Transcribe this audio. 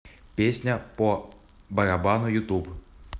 песня по барабану ютуб